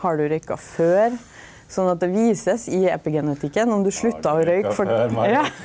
har du røyka før, sånn at det visast i epigenetikken om du slutta å røyka.